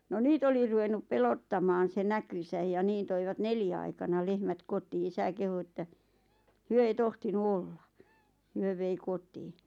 no niitä oli ruvennut pelottamaan se näkynsä ja niin toivat neljän aikana lehmät kotiin isä kehui että he ei tohtinut olla he vei kotiin